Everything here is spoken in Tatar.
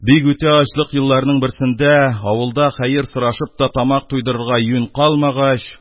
Бик үтә ачлык елларның берсендә, авылда хәер сорашып та тамак туйдырырга юнь калмагач,